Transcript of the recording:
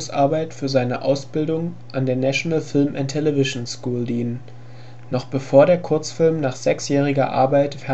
für seine Ausbildung an der National Film and Television School dienen. Noch bevor der Kurzfilm nach sechsjähriger Arbeit